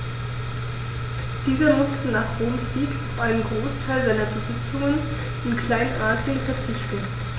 Dieser musste nach Roms Sieg auf einen Großteil seiner Besitzungen in Kleinasien verzichten.